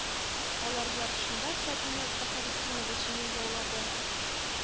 Алар ярышында сабина баһаветдинова җиңү яулады,